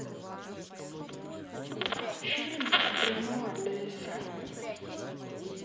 фильм по куприну олеся